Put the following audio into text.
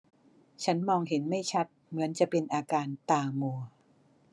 ฉันมองเห็นไม่ชัดเหมือนจะเป็นอาการตามัว